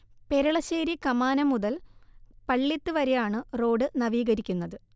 പെരളശ്ശേരി കമാനം മുതൽ പള്ള്യത്ത് വരെയാണ് റോഡ് നവീകരിക്കുന്നത്